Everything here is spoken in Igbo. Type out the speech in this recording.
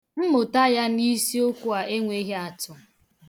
Mmụta ya n'isiokwu a enweghị atụ.